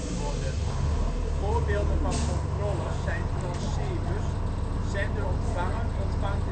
worden. Voorbeelden van controllers zijn transceivers (zender-ontvanger, ontvangt